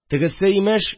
Тегесе, имеш